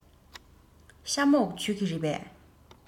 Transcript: ཤ མོག མཆོད ཀྱི རེད པས